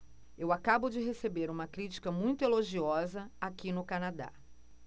eu acabo de receber uma crítica muito elogiosa aqui no canadá